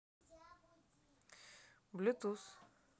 bluetooth